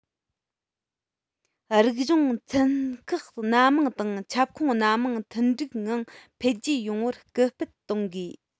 རིག གཞུང ཚན ཁག སྣ མང དང ཁྱབ ཁོངས སྣ མང མཐུན འགྲིག ངང འཕེལ རྒྱས ཡོང བར སྐུལ སྤེལ གཏོང དགོས